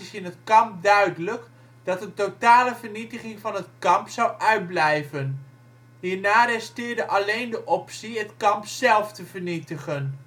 kamp duidelijk dat een totale vernietiging van het kamp zou uitblijven. Hierna resteerde alleen de optie het kamp zélf te vernietigen